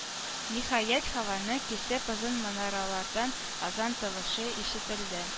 Ниһаять, һаваны кисеп озын манаралардан азан тавышы ишетелде.